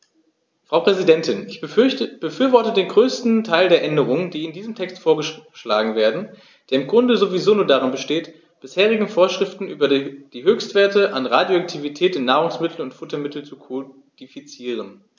Frau Präsidentin, ich befürworte den größten Teil der Änderungen, die in diesem Text vorgeschlagen werden, der im Grunde sowieso nur darin besteht, bisherige Vorschriften über die Höchstwerte an Radioaktivität in Nahrungsmitteln und Futtermitteln zu kodifizieren.